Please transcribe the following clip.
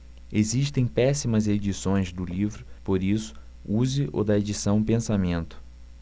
existem péssimas edições do livro por isso use o da edição pensamento